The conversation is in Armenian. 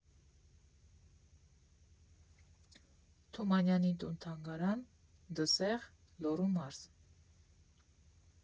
Թումանյանի տուն֊թանգարան, Դսեղ, Լոռու մարզ։